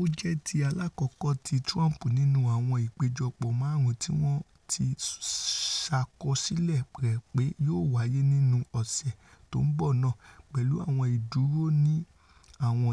Ó jẹ́ ti aláàkọ́kọ́ ti Trump nínú àwọn ìpéjọpọ̀ máàrún tíwọ́n ti ṣàkọsílẹ̀ rẹ̀ pé yóò wáyé nínú ọ̀sẹ̀ tó ńbọ̀ náà, pẹ̀lú àwọn ìdúró ni àwọn